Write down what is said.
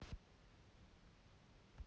а когда нужно мусор выносить